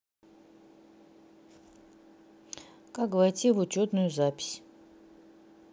как войти в учетную запись